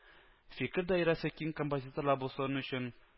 Фикер даирәсе киң композиторлар булсын өчен